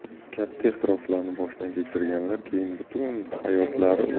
katta ehtiroslarni boshdan kechirganlar keyin butun hayotlari